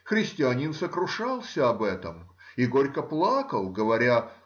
Христианин сокрушался об этом и горько плакал, говоря